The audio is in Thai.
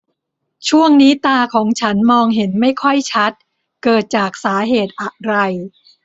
ช่วงนี้ตาของฉันมองเห็นไม่ค่อยชัดเกิดจากสาเหตุอะไร